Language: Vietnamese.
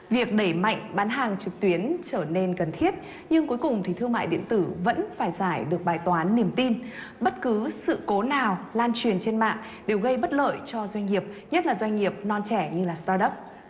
việc đẩy mạnh bán hàng trực tuyến trở nên cần thiết nhưng cuối cùng thì thương mại điện tử vẫn phải giải được bài toán niềm tin bất cứ sự cố nào lan truyền trên mạng đều gây bất lợi cho doanh nghiệp nhất là doanh nghiệp non trẻ như là so đóc